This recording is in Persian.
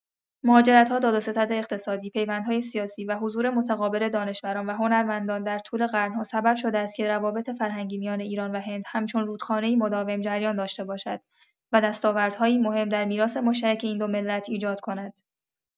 مهاجرت‌ها، دادوستد اقتصادی، پیوندهای سیاسی و حضور متقابل دانشوران و هنرمندان در طول قرن‌ها سبب شده است که روابط فرهنگی میان ایران و هند همچون رودخانه‌ای مداوم جریان داشته باشد و دستاوردهایی مهم در میراث مشترک این دو ملت ایجاد کند.